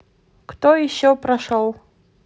кто еще прошел